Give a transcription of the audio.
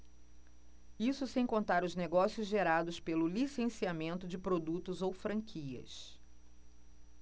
isso sem contar os negócios gerados pelo licenciamento de produtos ou franquias